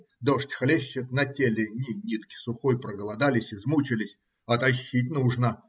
Дождь хлещет, на теле ни нитки сухой, проголодались, измучились, а тащить нужно.